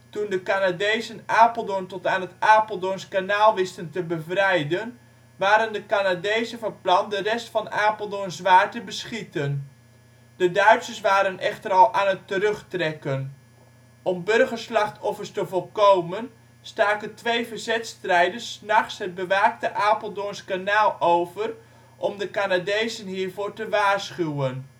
toen de Canadezen Apeldoorn tot aan het Apeldoorns kanaal wisten te bevrijden, waren de Canadezen van plan de rest van Apeldoorn zwaar te beschieten. De Duitsers waren echter al aan het terugtrekken. Om burgerslachtoffers te voorkomen staken twee verzetsstrijders ' s nachts het bewaakte Apeldoorns kanaal over om de Canadezen hiervoor te waarschuwen